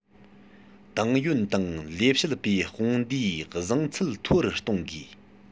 ཏང ཡོན དང ལས བྱེད པའི དཔུང སྡེའི བཟང ཚད མཐོ རུ གཏོང དགོས